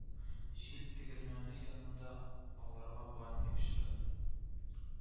Җил тегермәне янында аларга Банник очрады